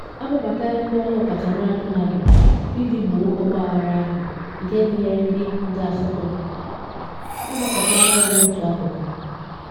Akpọbatala ndị ọrụ ọkachamara “Tornado” iji gboo ọgbaghara ahụ, nke gụnyere ndị nga asatọ, akpakọtala ya n’otu akụkụ.